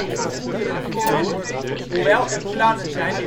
voor goederenvervoer, hoewel er plannen zijn